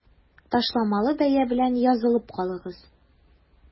Ташламалы бәя белән язылып калыгыз!